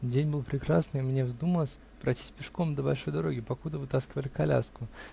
День был прекрасный, и мне вздумалось пройтись пешком до большой дороги, покуда вытаскивали коляску.